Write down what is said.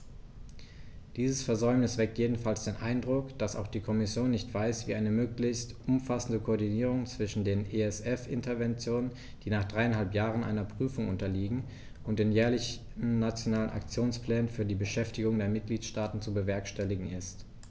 Dieses Versäumnis weckt jedenfalls den Eindruck, dass auch die Kommission nicht weiß, wie eine möglichst umfassende Koordinierung zwischen den ESF-Interventionen, die nach dreieinhalb Jahren einer Prüfung unterliegen, und den jährlichen Nationalen Aktionsplänen für die Beschäftigung der Mitgliedstaaten zu bewerkstelligen ist.